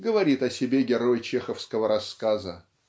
говорит о себе герой чеховского рассказа.